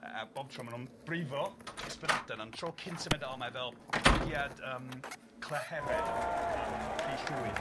A a bob tro ma' nw'n brifo Ysbyddaden ond tro cynta mae'n dal, o mae fel pigiad yym cleheren yym pry llwyd.